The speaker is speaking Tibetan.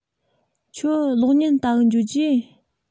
ཁྱོད གློག བརྙན བལྟ གི འགྱོ རྒྱུ